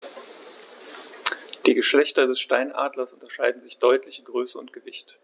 Die Geschlechter des Steinadlers unterscheiden sich deutlich in Größe und Gewicht.